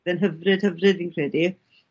yn hyfryd hyfryd fi'n credu.